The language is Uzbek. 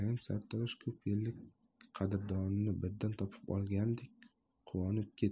naim sartarosh ko'p yillik qadrdonini birdan topib olgandek quvonib ketdi